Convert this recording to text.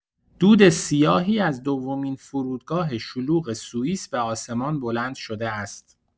دود سیاهی از دومین فرودگاه شلوغ سوئیس به آسمان بلند شده است.